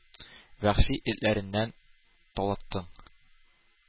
Вәхши этләреңнән талаттың.